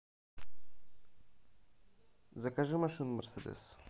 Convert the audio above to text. закажи машину мерседес